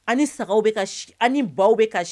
Ani sagaw bɛ ka ani baw bɛ ka